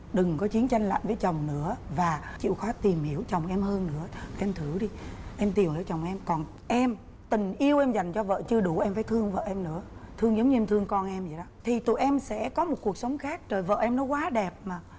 đừng có chiến tranh lạnh với chồng nữa và chịu khó tìm hiểu chồng em hơn nữa em thử đi em tìm hiểu chồng em còn em tình yêu em dành cho vợ chưa đủ em phải thương vợ em nữa thương giống như em thương con em vậy đó thì tụi em sẽ có một cuộc sống khác rồi vợ em nó quá đẹp mà